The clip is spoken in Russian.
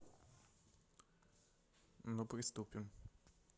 ну приступим